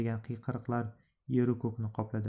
degan qiyqiriqlar yeru ko 'kni qopladi